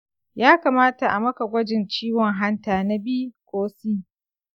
ya kamata a maka gwajin ciwon hanta na b ko c.